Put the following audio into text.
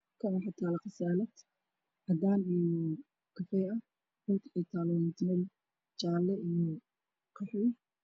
Halkan waxtalo qasalad cadan io kafey ah dhulka eey talo waa mutuleel jale qaxwi